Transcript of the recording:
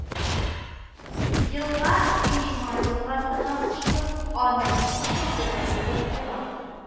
Елга Ижма елгасына кушылып, аның кушылдыгы булып тора